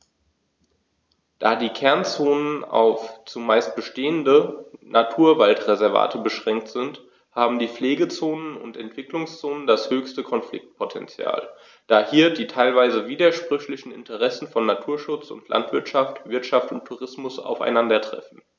Da die Kernzonen auf – zumeist bestehende – Naturwaldreservate beschränkt sind, haben die Pflegezonen und Entwicklungszonen das höchste Konfliktpotential, da hier die teilweise widersprüchlichen Interessen von Naturschutz und Landwirtschaft, Wirtschaft und Tourismus aufeinandertreffen.